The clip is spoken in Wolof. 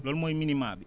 loolu mooy minima bi